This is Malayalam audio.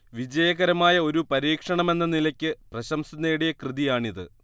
വിജയകരമായ ഒരു പരീക്ഷണമെന്ന നിലയ്ക്ക് പ്രശംസ നേടിയ കൃതിയാണിത്